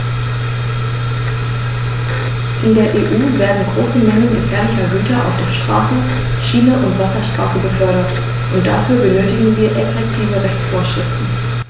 In der EU werden große Mengen gefährlicher Güter auf der Straße, Schiene und Wasserstraße befördert, und dafür benötigen wir effektive Rechtsvorschriften.